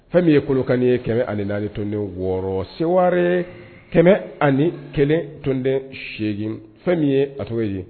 Fɛn min ye Kolokan ye 104.6 Seware 101.8 fɛ min ye, a tɔgɔ ye di.